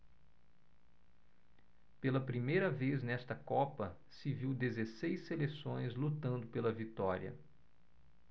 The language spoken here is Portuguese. pela primeira vez nesta copa se viu dezesseis seleções lutando pela vitória